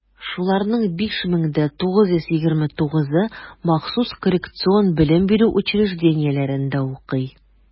Шуларның 5929-ы махсус коррекцион белем бирү учреждениеләрендә укый.